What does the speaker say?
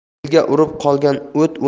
belga urib qolgan o't